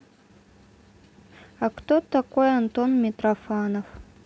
а кто такой антон митрофанов